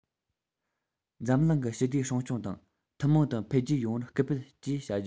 འཛམ གླིང གི ཞི བདེ སྲུང སྐྱོང དང ཐུན མོང དུ འཕེལ རྒྱས ཡོང བར སྐུལ སྤེལ བཅས བྱ རྒྱུ